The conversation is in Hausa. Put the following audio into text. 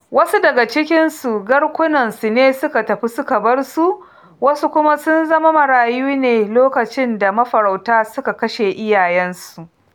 Wasu daga cikinsu garkunansu ne suka tafi suka bar su, wasu kuma sun zama marayu ne lokacin da mafarauta suka kashe iyayensu.